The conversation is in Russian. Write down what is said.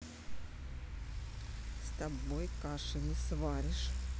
с тобой каши не сваришь